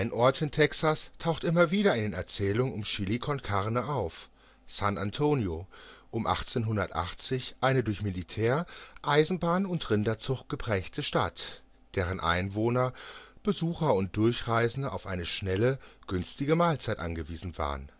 Ort in Texas taucht immer wieder in den Erzählungen um Chili con Carne auf: San Antonio, um 1880 eine durch Militär, Eisenbahn und Rinderzucht geprägte Stadt, deren Einwohner, Besucher und Durchreisende auf eine schnelle, günstige Mahlzeit angewiesen waren